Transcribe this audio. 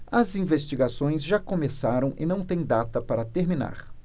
as investigações já começaram e não têm data para terminar